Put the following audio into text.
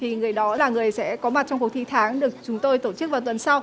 thì người đó là người sẽ có mặt trong cuộc thi tháng được chúng tôi tổ chức vào tuần sau